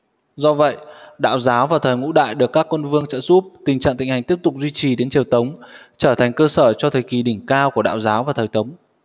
do vậy đạo giáo vào thời ngũ đại được các quân vương trợ giúp tình trạng thịnh hành tiếp tục duy trì đến triều tống trở thành cơ sở cho thời kỳ đỉnh cao của đạo giáo vào thời tống